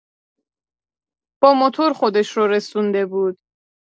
با موتور خودش رو رسونده بود.